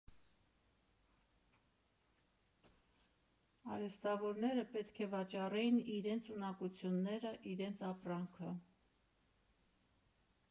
Արհեստավորները պետք է վաճառեին իրենց ունակությունները, իրենց ապրանքը։